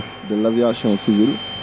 de l' aviation civile